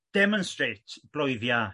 demonstrate bloeddia